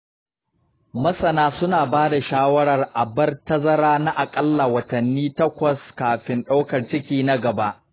masana suna ba da shawarar a bar tazara na aƙalla watanni shatakwas kafin ɗaukar ciki na gaba.